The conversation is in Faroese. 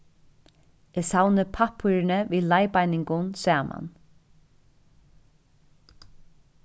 eg savni pappírini við leiðbeiningum saman